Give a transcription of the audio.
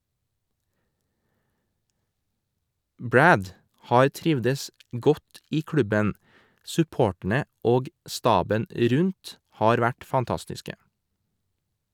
Brad har trivdes godt i klubben, supporterne og staben rundt har vært fantastiske.